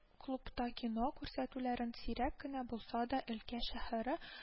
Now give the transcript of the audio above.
Клубта кино күрсәтүләрен, сирәк кенә булса да өлкә шәһәре